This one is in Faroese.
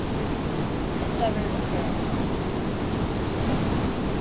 hetta verður okkara millum